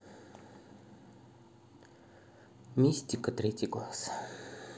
мистика третий глаз